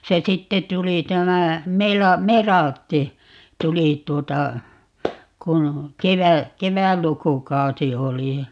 se sitten tuli tämä - Melartin tuli tuota kun - kevätlukukausi oli ja